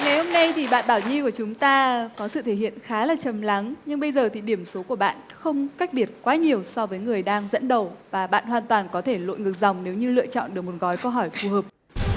ngay hôm nay thì bạn bảo nhi của chúng ta có sự thể hiện khá là trầm lắng nhưng bây giờ thì điểm số của bạn không cách biệt quá nhiều so với người đang dẫn đầu và bạn hoàn toàn có thể lội ngược dòng nếu như lựa chọn được một gói câu hỏi phù hợp